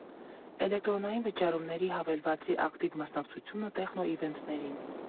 Էլեկտրոնային վճարումների հավելվածի ակտիվ մասնակցությունը տեխնո իվենթներին։